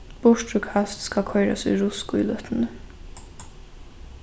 burturkast skal koyrast í ruskíløtini